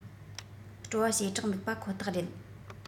སྤྲོ བ ཞེ དྲག འདུག པ ཁོ ཐག རེད